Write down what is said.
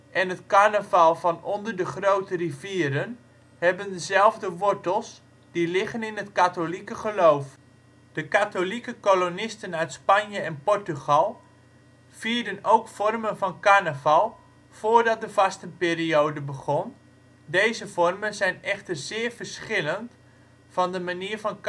en het Carnaval van onder de grote rivieren hebben dezelfde wortels, die liggen in het katholieke geloof. De katholiek kolonisten uit Spanje en Portugal vierden ook vormen van Carnaval voordat de vastenperiode begon, deze vormen zijn echter zeer verschillend van de manier van